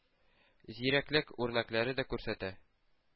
Зирәклек үрнәкләре дә күрсәтә.